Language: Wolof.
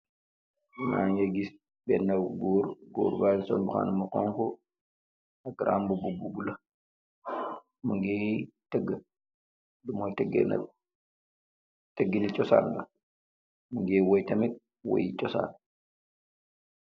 Mageh giss bena goor, goor bagi sool mbahana bu honhu ak garabubo bu bulu mogeh tega, lu moi tegeeh nak tega chosan la mogeh woii tamit woii yu chosan